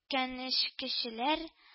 Кәнечкечеләр